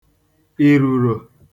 ìrùrò